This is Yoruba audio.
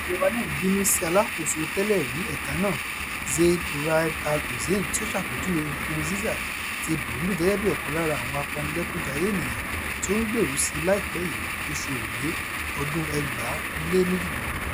Ìjọba náà ń bínú sí alákòóso tẹ́lẹ̀-rí ẹ̀ka náà, Zeid Ra'ad Al Hussein tí ó ṣàpèjúwe Nkurunziza ti Burundi gẹ́gẹ́ bí ọkàn lára "àwọn apanilẹ́kúnjayé ènìyàn tí ó ń gbèrú sí i láìpẹ́ yìí" ní oṣù Èrèlé 2018.